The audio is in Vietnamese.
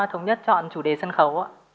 thống nhất chọn chủ đề sân khấu ạ